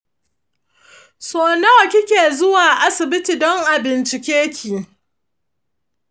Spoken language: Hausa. sau nawa kike zuwa asibiti don a bincikeki?